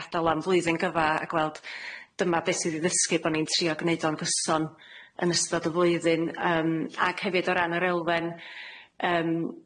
gadal am flwyddyn gyfa a gweld dyma beth sydd i ddysgu bo' ni'n trio gneud o'n gyson yn ystod y flwyddyn yym ag hefyd o ran yr elfen yym